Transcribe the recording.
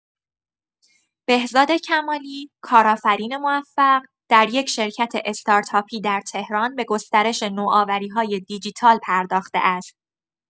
بهزاد کمالی، کارآفرین موفق، در یک شرکت استارتاپی در تهران به گسترش نوآوری‌های دیجیتال پرداخته است.